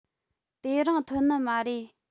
དེ རིང ཐོན ནི མ རེད